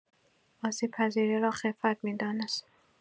آسیب‌پذیری را خفت می‌دانست.